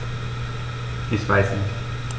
Ich weiß nicht.